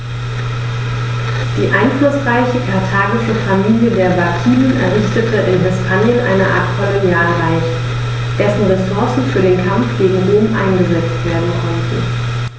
Die einflussreiche karthagische Familie der Barkiden errichtete in Hispanien eine Art Kolonialreich, dessen Ressourcen für den Kampf gegen Rom eingesetzt werden konnten.